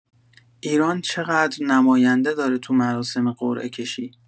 ایران چه‌قدر نماینده داره تو مراسم قرعه‌کشی